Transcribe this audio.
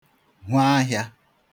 hwe ahịā